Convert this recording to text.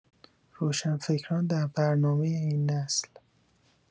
روشنفکران در برنامه این نسل